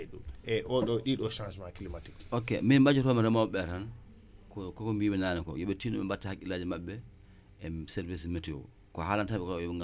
ok